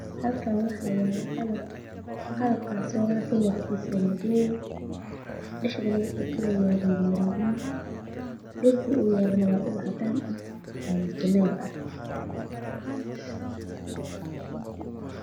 Halkan waxaa ka muuqday qaran dheerkiisu madow yahay dhacda wuxuu ku leeyahay fikradmo dhulka waa caddaan